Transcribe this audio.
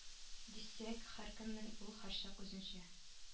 Дисәк һәркемнең ул һәрчак үзенчә